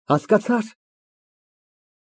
Հասկացա՞ր։